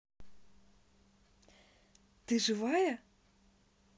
ты живая